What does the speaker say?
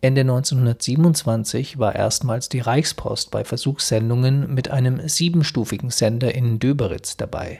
Ende 1927 war erstmals die Reichspost bei Versuchssendungen mit einem siebenstufigen Sender in Döberitz dabei